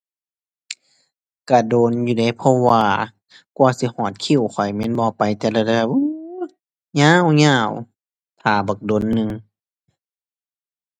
ก็โดนอยู่เดะ เพราะว่ากว่าสิฮอดคิวข้อยแม่นบ่ ไปแต่ละเทื่อ ยาวยาว ท่าบักโดนหนึ่ง